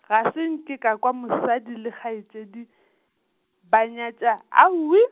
ga se nke ka kwa mosadi le kgaetšedi, ba nyatša, aowii.